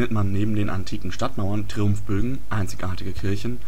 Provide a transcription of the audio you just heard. man neben den antiken Stadtmauern Triumphbögen, einzigartige Kirchen